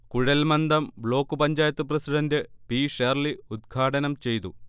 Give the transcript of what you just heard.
Kuzhalmandam block panchayat president P. Shirley ഉദ്ഘാടനംചെയ്തു